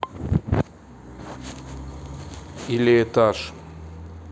или этаж